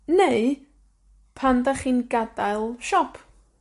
Neu, pan 'dach chi'n gadael siop.